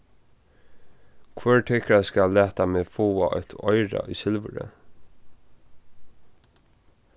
hvør tykkara skal lata meg fáa eitt oyra í silvuri